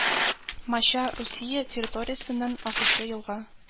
Мача Русия территориясеннән агучы елга